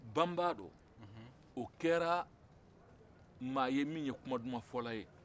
banbaddɔ o kɛra maa ye min ye kuma duman fɔ la ye